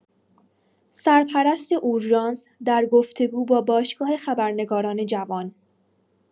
سرپرست اورژانس در گفتگو با باشگاه خبرنگاران جوان